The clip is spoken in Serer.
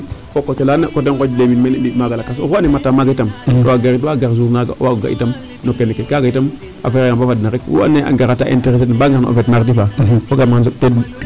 Fo o coté laana coté Ngondieleme i mbi' maaga lakas oxu andoona yee mata maaga itam waaga gar jour naaga waag o ga' itam kaaga itam a fexeya baa fad ma rek oxu andoona yee a ngara ta interesser a den baa ngar na o feet Mardi foogaam xana soɓ ta.